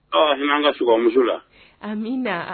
Awa hin'an ka sukɔmusu la amiina